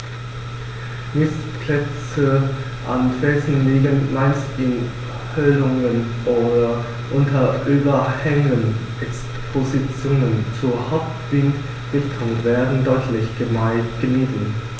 Nistplätze an Felsen liegen meist in Höhlungen oder unter Überhängen, Expositionen zur Hauptwindrichtung werden deutlich gemieden.